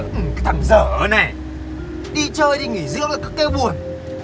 ư cái thằng dở này đi chơi đi nghỉ dưỡng lại cứ kêu buồn